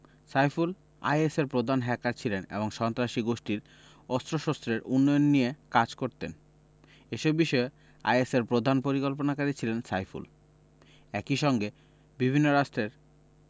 সাইফুল আইএসের প্রধান হ্যাকার ছিলেন এবং সন্ত্রাসী গোষ্ঠীর অস্ত্রশস্ত্রের উন্নয়ন নিয়ে কাজ করতেন এসব বিষয়ে আইএসের প্রধান পরিকল্পনাকারী ছিলেন সাইফুল একই সঙ্গে বিভিন্ন রাষ্টের